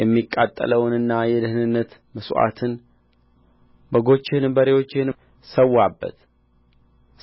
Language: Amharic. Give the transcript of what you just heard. የሚቃጠለውንና የደኅንነት መሥዋዕትህን በጎችህንም በሬዎችህንም ሠዋበት